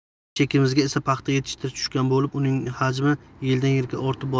bizning chekimizga esa paxta yetishtirish tushgan bo'lib uning hajmi yildan yilga ortib borardi